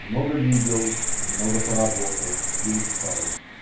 Много видел, много поработал и устал.